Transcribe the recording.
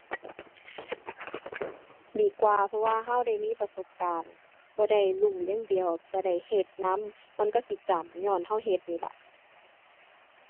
ดีกว่า เพราะว่าเราได้มีประสบการณ์ บ่ได้รู้อย่างเดียวแต่ได้เฮ็ดนำ มันก็สิจำญ้อนเราเฮ็ดนี่ล่ะ